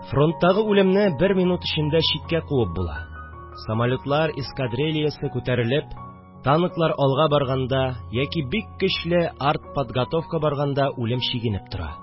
Фронттагы үлемне бер минут эчендә читкә куып була, самолетлар эскадрильясы күтәрелеп, танклар алга барганда яки бик көчле артподготовка барганда үлем чигенеп тора